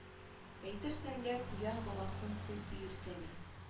Әйтерсең лә куян баласын сыйпый иркәли